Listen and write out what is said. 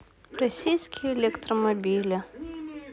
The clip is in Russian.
российские электромобили